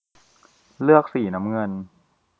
เลือกสีน้ำเงิน